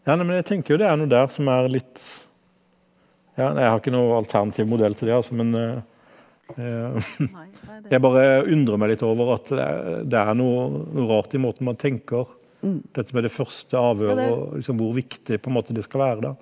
ja nei men jeg tenker jo det er noe der som er litt ja nei jeg har ikke noe alternativ modell til det altså men jeg bare undrer meg litt over at det det er noe noe rart i måten man tenker dette med det første avhøret og liksom hvor viktig på en måte det skal være da.